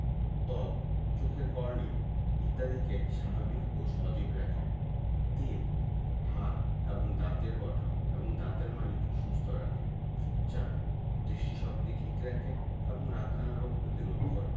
ত্বক চোখের কর্নিয়া ইত্যাদিকে স্বাভাবিক ও সজীব রাখে ৩. হাড় এবং দাঁতের গঠন এবং দাঁতের মাড়ি সুস্থ রাখে ৪. দৃষ্টিশক্তি ঠিক রাখে এবং রাতকানা রোগ প্রতিরোধ করে